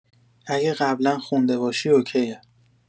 اگه قبلا خونده باشی اوکیه